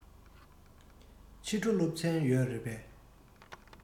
ཕྱི དྲོ སློབ ཚན ཡོད རེད པས